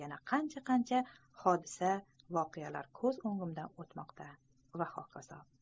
yana qancha qancha voqea hodisalar ko'z o'ngimdan o'tmoqda va hokazo